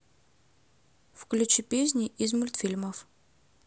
включи песни из мультфильмов